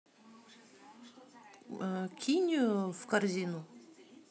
кинь в корзину